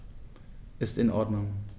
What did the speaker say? Ist in Ordnung.